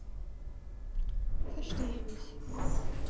Verstehe nicht.